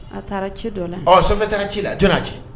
A taara ci dɔ la so taara ci la a tɛna ci